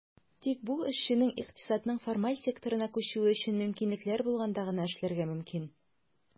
Тик бу эшченең икътисадның формаль секторына күчүе өчен мөмкинлекләр булганда гына эшләргә мөмкин.